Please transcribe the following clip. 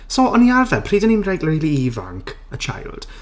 So, o'n i arfer. Pryd o'n i'n like rili ifanc. A child.